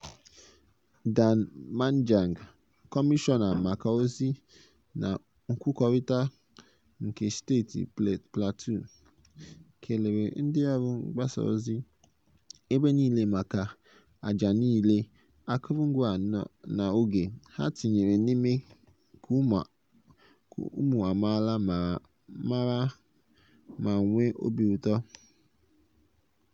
Dan Manjang, kọmishọna maka ozi na nkwukọrịta nke steeti Plateau, kelere ndị ọrụ mgbasa ozi ebe niile maka "àjà niile, akụrụngwa na oge" ha tinyere n'ime ka ụmụ amaala mara ma nwee obi ụtọ: